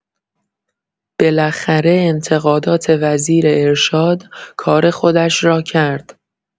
بالاخره انتقادات وزیر ارشاد کار خودش را کرد.